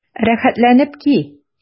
Рәхәтләнеп ки!